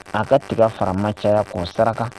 A ka tiga farama caya k'o saraka.